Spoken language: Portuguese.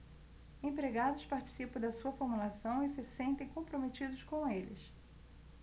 empregados participam da sua formulação e se sentem comprometidos com eles